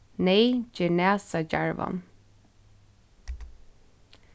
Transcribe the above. neyð ger nasadjarvan